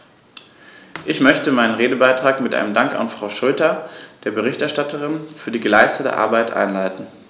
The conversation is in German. Ich möchte meinen Redebeitrag mit einem Dank an Frau Schroedter, der Berichterstatterin, für die geleistete Arbeit einleiten.